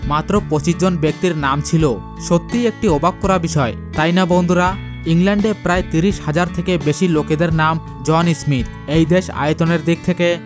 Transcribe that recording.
বুকে মাত্র মাত্র ২৫ জন ব্যক্তির নাম কি সত্যি একটু অবাক করা বিষয় তাইনা বন্ধুরা ইংল্যান্ডের প্রায় ৩০ হাজার থেকে বেশি লোকের নাম জন স্মীথ এই দেশ আয়তনের দিক থেকে